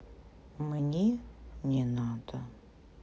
мне не надо